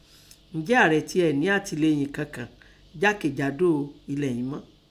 Ǹjẹ́ ààrẹ tì nẹ alátìleyìn kankàn jákè jádò ẹlẹ̀ ìín mọ́?